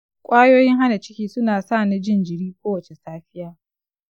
kwayoyin hana ciki suna sa ni jin jiri kowace safiya.